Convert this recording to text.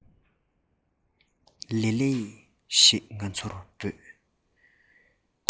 ལི ལི ཞེས ང ཚོར བོས